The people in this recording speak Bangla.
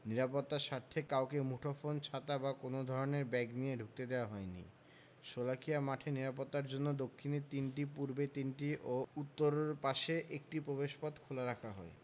নিরাপত্তার স্বার্থে কাউকে মুঠোফোন ছাতা বা কোনো ধরনের ব্যাগ নিয়ে ঢুকতে দেওয়া হয়নি শোলাকিয়া মাঠের নিরাপত্তার জন্য দক্ষিণে তিনটি পূর্বে তিনটি এবং উত্তর পাশে একটি প্রবেশপথ খোলা রাখা হয়